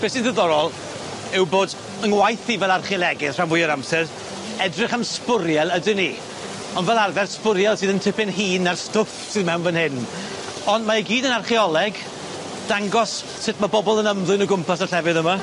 Be' sy'n ddiddorol yw bod yng ngwaith i fel archeolegydd rhan fwya'r amser edrych am sbwriel ydyn ni ond fel arfer sbwriel sydd yn tipyn hŷn na'r stwff sydd mewn fan hyn ond mae i gyd yn archeoleg dangos sut ma' bobol yn ymddwyn o gwmpas y llefydd yma.